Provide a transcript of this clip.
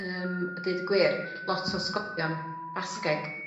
Yym a deud y gwir. Lot o sgolion Basgeg.